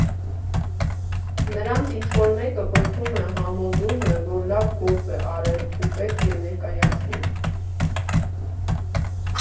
Նրանց ինչ֊որ մեկը բրդում է, համոզում է, որ լավ գործ է արել ու պետք է ներկայացնի։